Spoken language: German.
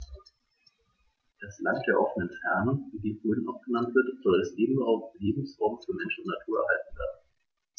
Das „Land der offenen Fernen“, wie die Rhön auch genannt wird, soll als Lebensraum für Mensch und Natur erhalten werden.